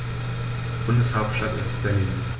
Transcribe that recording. Bundeshauptstadt ist Berlin.